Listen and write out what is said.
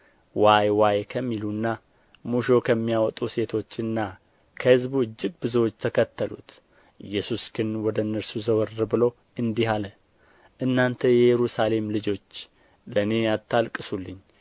ዋይ ዋይ ከሚሉና ሙሾ ከሚያወጡ ሴቶችና ከሕዝቡ እጅግ ብዙዎች ተከተሉት ኢየሱስ ግን ወደ እነርሱ ዘወር ብሎ እንዲህ አለ እናንተ የኢየሩሳሌም ልጆች ለእኔስ አታልቅሱልኝ